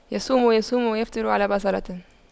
يصوم يصوم ويفطر على بصلة